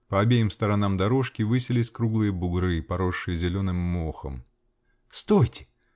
По обеим сторонам дорожки высились круглые бугры, поросшие зеленым мохом. -- Стойте!